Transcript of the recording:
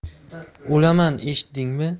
o'laman eshitdingmi